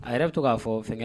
A yɛrɛ bɛ to k'a fɔ fɛn